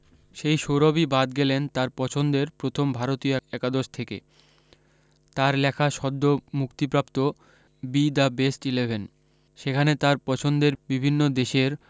সেই সৌরভি বাদ গেলেন তার পছন্দের প্রথম ভারতীয় একাদশ থেকে তার লেখা সদ্য মুক্তিপ্রাপ্ত বি দ্য বেস্ট ইলেভেন সেখানে তার পছন্দের বিভিন্ন দেশের